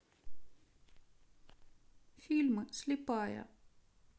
фильмы слепая